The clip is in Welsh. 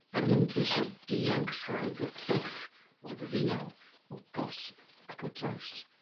Er mwyn ceisio dianc rhag y cylch o ddial, o gosb, ac o drais.